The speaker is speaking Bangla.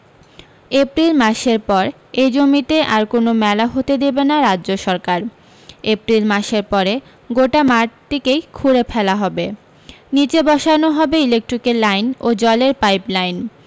এপ্রিল মাসের পর এই জমিতে আর কোনও মেলা হতে দেবে না রাজ্য সরকার এপ্রিল মাসের পরে গোটা মাঠটিকেই খুঁড়ে ফেলা হবে নীচে বসানো হবে ইলেকট্রিকের লাইন ও জলের পাইপ লাইন